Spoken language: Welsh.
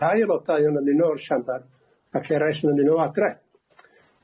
rhai aelodau yn ymuno o'r siambar ac eraill yn ymuno o adra.